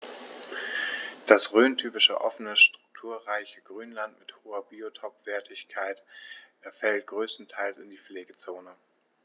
Das rhöntypische offene, strukturreiche Grünland mit hoher Biotopwertigkeit fällt größtenteils in die Pflegezone.